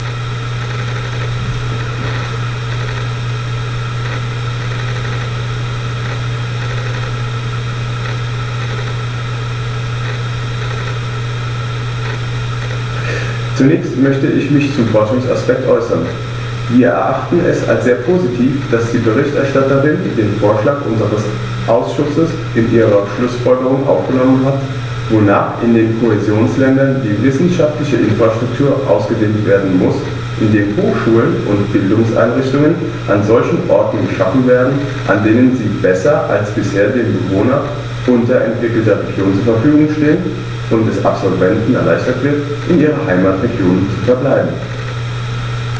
Zunächst möchte ich mich zum Forschungsaspekt äußern. Wir erachten es als sehr positiv, dass die Berichterstatterin den Vorschlag unseres Ausschusses in ihre Schlußfolgerungen aufgenommen hat, wonach in den Kohäsionsländern die wissenschaftliche Infrastruktur ausgedehnt werden muss, indem Hochschulen und Bildungseinrichtungen an solchen Orten geschaffen werden, an denen sie besser als bisher den Bewohnern unterentwickelter Regionen zur Verfügung stehen, und es Absolventen erleichtert wird, in ihren Heimatregionen zu verbleiben.